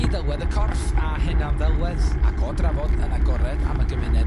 i ddelwedd y corff a hunanddelwedd ac o drafod yn agored am y gymuned